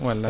wallay